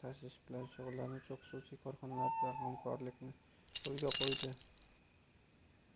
xususiy korxonalar bilan hamkorlikni yo'lga qo'ydi